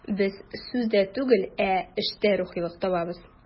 Без сүздә түгел, ә эштә рухилык табабыз.